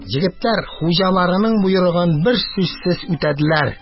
Егетләр хуҗаларының боерыгын берсүзсез үтәделәр.